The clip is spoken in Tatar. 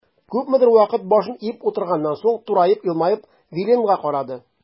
Күпмедер вакыт башын иеп утырганнан соң, тураеп, елмаеп Виленга карады.